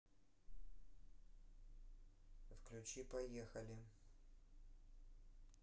включи поехали